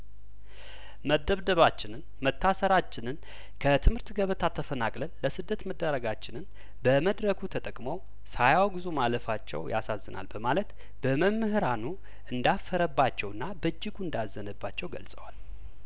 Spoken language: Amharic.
መደብደባችንን መታሰራችንን ከትምህርት ገበታ ተፈናቅለን ለስደት መዳረጋችንን በመድረኩ ተጠቅመው ሳያወግዙ ማለፋቸው ያሳዝናል በማለት በመምህራኑ እንዳፈረ ባቸውና በእጅጉ እንዳዘነባቸው ገልጸዋል